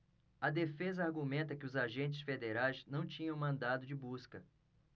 a defesa argumenta que os agentes federais não tinham mandado de busca